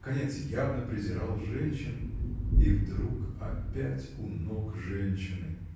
наконец явно презирал женщин – и вдруг опять у ног женщины!